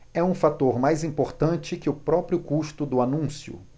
é um fator mais importante que o próprio custo do anúncio